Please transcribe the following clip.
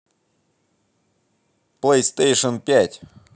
плейстейшн пять